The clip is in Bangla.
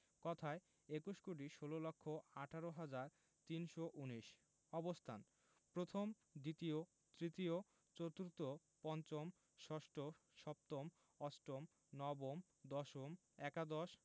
কথায়ঃ একুশ কোটি ষোল লক্ষ আঠারো হাজার তিনশো উনিশ অবস্থানঃ প্রথম দ্বিতীয় তৃতীয় চতুর্থ পঞ্চম ষষ্ঠ সপ্তম অষ্টম নবম দশম একাদশ